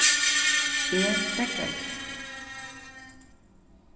eg steðgaði tí